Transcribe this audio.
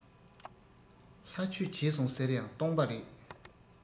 ལྷ ཆོས བྱས སོང ཟེར ཡང སྟོང པ རེད